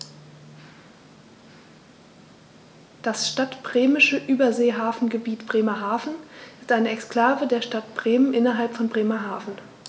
Das Stadtbremische Überseehafengebiet Bremerhaven ist eine Exklave der Stadt Bremen innerhalb von Bremerhaven.